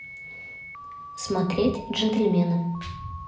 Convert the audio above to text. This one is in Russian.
смотреть джентельмены